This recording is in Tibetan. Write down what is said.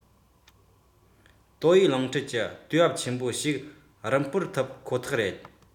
རྒྱལ སྤྱིའི སྤྱི ཚོགས གསར པ ཞིག འདོན ཁོ ཐག ཆོད